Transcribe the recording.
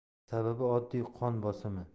sababi oddiy qon bosimi